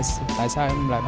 tại sao em lại